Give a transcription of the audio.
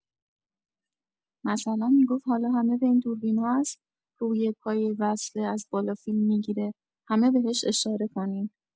مثلا می‌گفت حالا همه به این دوربین‌ها هست رو یه پایه وصله از بالا فیلم می‌گیره، همه بهش اشاره کنین.